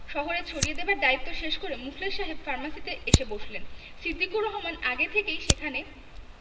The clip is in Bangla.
শহরে ছড়িয়ে দেবার দায়িত্ব শেষ করে মুখলেস সাহেব ফার্মেসীতে এসে বসলেন সিদ্দিকুর রহমনি আগে থেকেই সেখানে